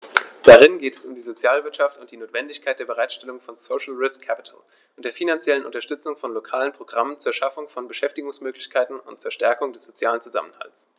Darin geht es um die Sozialwirtschaft und die Notwendigkeit der Bereitstellung von "social risk capital" und der finanziellen Unterstützung von lokalen Programmen zur Schaffung von Beschäftigungsmöglichkeiten und zur Stärkung des sozialen Zusammenhalts.